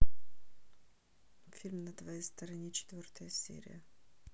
фильм на твоей стороне четвертая серия